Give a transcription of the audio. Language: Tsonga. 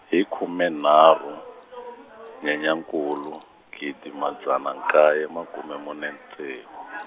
hi khume nharhu, Nyenyankulu, gidi madzana nkaye makume mune ntsevu.